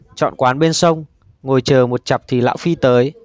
chọn quán bên sông ngồi chờ một chặp thì lão phi tới